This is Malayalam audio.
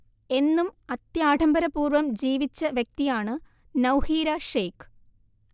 എന്നും അത്യാഢംബര പൂർവ്വം ജീവിച്ച വ്യക്തിയാണ് നൗഹീര ഷേയ്ഖ്